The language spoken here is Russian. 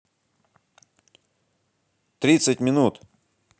тридцать минут